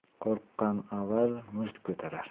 qo'rqoq avval musht ko'tarar